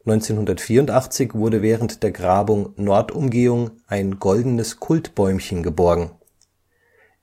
1984 wurde während der Grabung „ Nordumgehung “ein Goldenes Kultbäumchen geborgen.